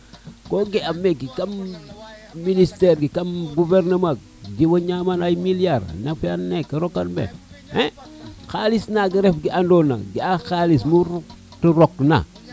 ko ga a meke kam ministere kam gouvernement diwana ñaman ay million ay miliard a fiyan neke a rokan meke xalis naga ref ke andona ga a xalis mu te rok na to lewe